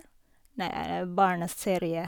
Nei, er det barneserie.